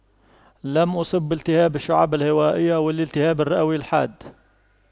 لم أصب بالتهاب الشعب الهوائية والالتهاب الرئوي الحاد